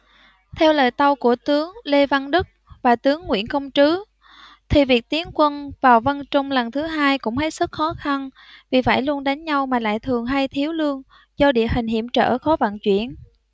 theo lời tâu của tướng lê văn đức và tướng nguyễn công trứ thì việc tiến quân vào vân trung lần thứ hai cũng hết sức khó khăn vì phải luôn đánh nhau mà lại thường hay thiếu lương do địa hình hiểm trở khó vận chuyển